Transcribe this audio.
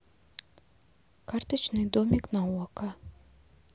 карточный домик на окко